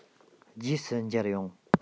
རྗེས སུ མཇལ ཡོང